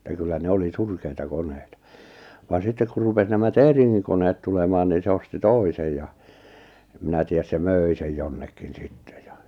että kyllä ne oli surkeita koneita vaan sitten kun rupesi nämä Teringin koneet tulemaan niin se osti toisen ja en minä tiedä se möi sen jonnekin sitten ja